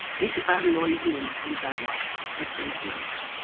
Nid ei farn o ei hun, ond barn pobl eraill.